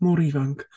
Mor ifanc!